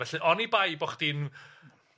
Felly, onibai bo' chdi'n